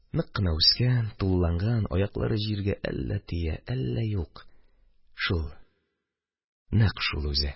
Нык кына үскән, тулыланган, аяклары җиргә әллә тия, әллә юк – шул, нәкъ шул үзе.